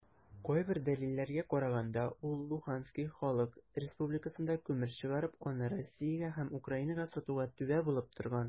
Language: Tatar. Кайбер дәлилләргә караганда, ул ЛХРда күмер чыгарып, аны Россиягә һәм Украинага сатуга "түбә" булып торган.